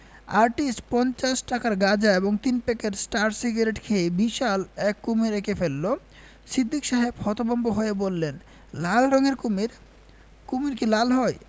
artist পঞ্চাশ টাকার গাঁজা এবং তিন প্যাকেট স্টার সিগারেট খেয়ে বিশাল | এক কুমীর এঁকে ফেলল সিদ্দিক সাহেব হতভম্ব হয়ে বললেন লাল রঙের কুমীর শমীর কি লাল হয়